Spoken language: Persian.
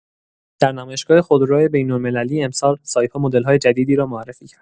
در نمایشگاه خودروی بین‌المللی امسال، سایپا مدل‌های جدیدی را معرفی کرد.